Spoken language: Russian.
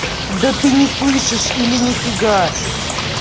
да ты не слышит или нифига